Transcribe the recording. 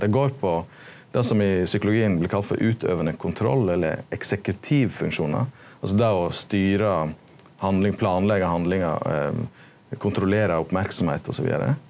det går på det som i psykologien blir kalla for utøvande kontroll eller eksekutivfunksjonar altso det å styra handling planlegge handlingar kontrollera merksemd og so vidare.